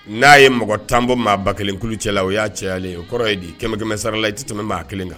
N'a ye mɔgɔ tanbɔ maa ba kelenkulu cɛ la o y'a cɛ ye o kɔrɔ ye di kɛmɛjamɛ sarala ti maa kelen kan